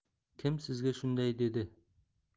kim sizga shunday dedi